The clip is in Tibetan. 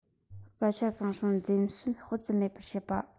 སྐད ཆ གང བྱུང འཛེམ ཟོན སྤུ ཙམ མེད པར བཤད པ